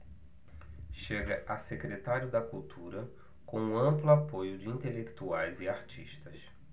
chega a secretário da cultura com amplo apoio de intelectuais e artistas